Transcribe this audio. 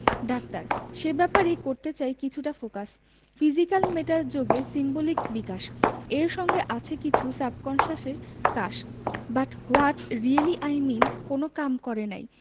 doctor সে ব্যাপারেই করতে চাই কিছুটা ফোকাস ফিজিক্যাল মেটা যোগে সিম্বলিক বিকাশ এর সঙ্গে আছে কিছু সাবকন্সাসের কাশ but what really I mean কোন কাম করে নাই